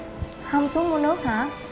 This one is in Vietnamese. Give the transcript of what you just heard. hông xuống mua nước hả